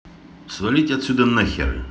свалите отсюда нахер